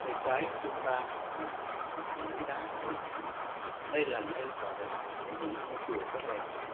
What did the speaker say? bên phía tay trái chúng ta là một ngọn núi đá hùng vĩ đây là nơi tọa lạc của những ngôi chùa rất đẹp